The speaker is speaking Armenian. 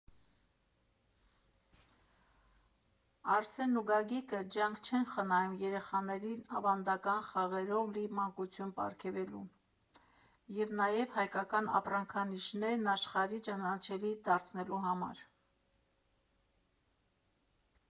Արսենն ու Գագիկը ջանք չեն խնայում երեխաներին ավանդական խաղերով լի մանկություն պարգևելու, և նաև հայկական ապրանքանիշերն աշխարհին ճանաչելի դարձնելու համար։